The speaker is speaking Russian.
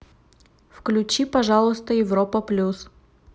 включи пожалуйста европа плюс